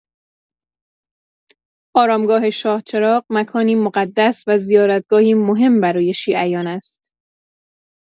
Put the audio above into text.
آرامگاه شاه‌چراغ مکانی مقدس و زیارتگاهی مهم برای شیعیان است.